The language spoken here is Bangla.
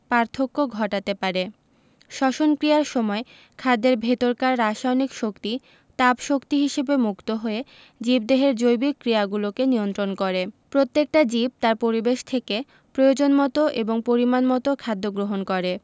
পার্থক্য ঘটাতে পারে শ্বসন ক্রিয়ার সময় খাদ্যের ভেতরকার রাসায়নিক শক্তি তাপ শক্তি হিসেবে মুক্ত হয়ে জীবদেহের জৈবিক ক্রিয়াগুলোকে নিয়ন্ত্রন করে প্রত্যেকটা জীব তার পরিবেশ থেকে প্রয়োজনমতো এবং পরিমাণমতো খাদ্য গ্রহণ করে